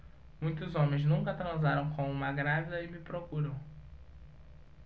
muitos homens nunca transaram com uma grávida e me procuram